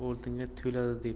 oltinga to'ladi debdi